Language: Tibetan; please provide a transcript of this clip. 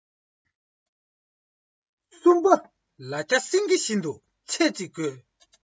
གསུམ པ ལ རྒྱ སེངྒེ བཞིན དུ ཆེ གཅིག དགོས